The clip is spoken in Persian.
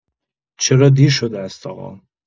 چرا دیر شده است آقا؟!